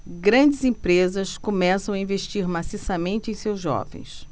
grandes empresas começam a investir maciçamente em seus jovens